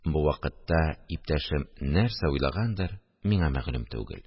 Бу вакытта иптәшем нәрсә уйлагандыр – миңа мәгълүм түгел